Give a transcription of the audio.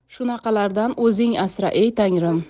shunaqalardan o'zing asra ey tangrim